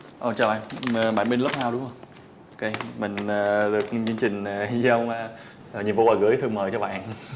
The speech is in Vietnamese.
ồ chào bạn bạn bên lớp hao đúng hông ô kê mình được chương trình giao nhiệm vụ là gửi thư mời cho bạn